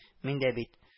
Миндә дә бит